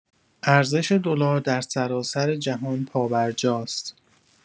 ارزش دلار در سراسر جهان پابرجاست.